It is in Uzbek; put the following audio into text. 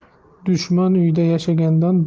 dushman uyida yashagandan